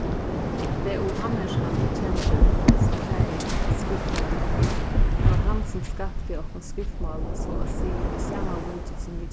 v u hammershaimb er kendur sum faðirin at skriftmáli føroyinga tað var hann sum skapti okkum skriftmálið so at siga í sama líki sum vit